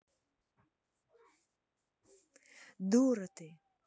дура ты